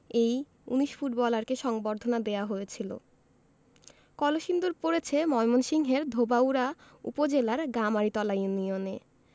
এই ১৯ ফুটবলারকে সংবর্ধনা দেওয়া হয়েছিল কলসিন্দুর পড়েছে ময়মনসিংহের ধোবাউড়া উপজেলার গামারিতলা ইউনিয়নে